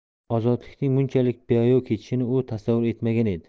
ozodlikning bunchalik beayov kechishini u tasavvur etmagan edi